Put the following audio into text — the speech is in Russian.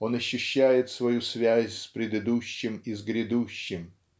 Он ощущает свою связь с предыдущим и с грядущим.